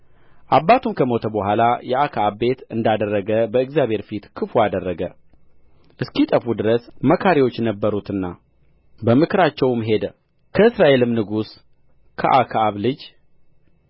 አባቱም ከሞተ በኋላ የአክዓብ ቤት እንዳደረገ በእግዚአብሔር ፊት ክፉ አደረገ እስኪጠፉ ድረስ መካሪዎች ነበሩትና በምክራቸውም ሄደ ከእስራኤልም ንጉሥ ከአክዓብ ልጅ